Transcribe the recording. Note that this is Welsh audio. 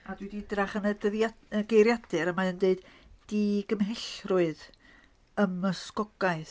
A dwi 'di edrach yn y dyddiad- geiriadur a mae'n dweud, "digymhellrwydd, ymysgogaeth".